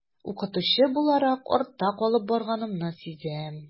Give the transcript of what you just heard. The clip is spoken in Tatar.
Укытучы буларак артта калып барганымны сизәм.